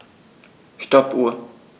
Stoppuhr.